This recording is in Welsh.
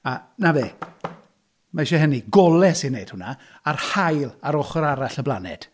A 'na fe, mae isie hynny, golau sy'n wneud hynna. A'r Haul ar ochr arall y blaned.